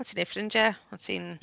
O't ti'n wneud ffrindiau. O't ti'n...